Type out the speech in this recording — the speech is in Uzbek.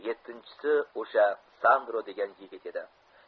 yettinchisi o'sha sandro degan yigit edi